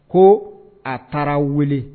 Ko a taara wele